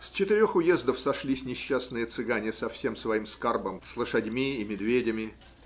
*** С четырех уездов сошлись несчастные цыгане со всем своим скарбом, с лошадьми и медведями.